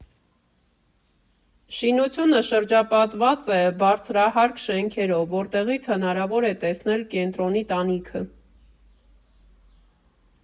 Շինությունը շրջապատված է բարձրահարկ շենքերով, որտեղից հնարավոր է տեսնել կենտրոնի տանիքը։